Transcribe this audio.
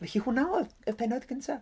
Felly hwnna o'dd y pennod gynta.